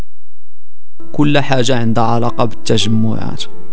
كل حاجه عندها علاقه بالتجمعات